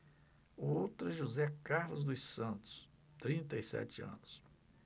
o outro é josé carlos dos santos trinta e sete anos